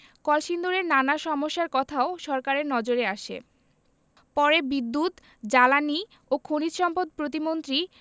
কলসিন্দুরের নানা সমস্যার কথাও সরকারের নজরে আসে পরে বিদ্যুৎ জ্বালানি ও খনিজ সম্পদ প্রতিমন্ত্রী